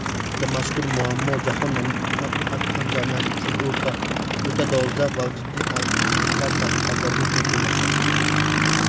bugungi kunda mazkur muammo jahon hamjamiyati uchun o'ta dolzarb va jiddiy tahdidlar qatoriga kiritilmoqda